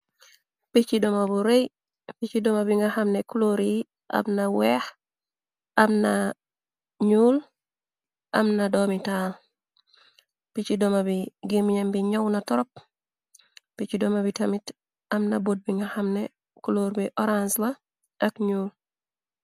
Icci dma bu rëy, picci dooma bi nga xamne kloor yi am na weex, am na ñuul, am na domitaal, picci dooma bi gémiam bi ñëw na torop, picc dooma bi tamit, amna boot bi nga xamne cloor bi orangwa, ak nuul.